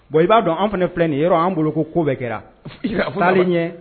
Bon i b'a dɔn anw fana filɛ nin ye yɔrɔ an bolo ko ko bɛɛ kɛra. Taalen ɲɛ.